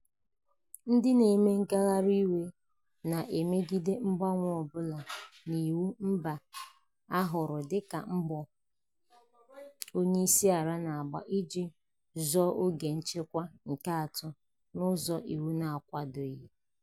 Ndị na-eme ngagharị iwe na-emegide mgbanwe ọ bụla n'iwu mba a hụrụ dịka mbọ onyeisiala na-agba iji zọọ oge nchịkwa nke atọ n'ụzọ iwu na-akwadoghị.